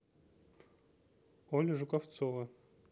оля жуковцова